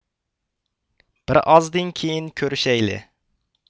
بىر ئازدىن كېيىن كۈرۈشەيلى